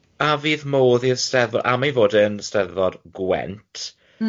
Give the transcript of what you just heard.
A fydd modd i'r Steddfod, am ei fod e'n Steddfod Gwent mm.